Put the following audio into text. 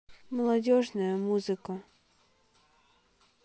молодежная музыка